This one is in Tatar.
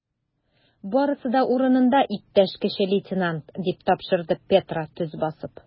Барысы да урынында, иптәш кече лейтенант, - дип тапшырды Петро, төз басып.